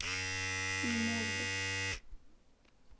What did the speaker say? мне мозга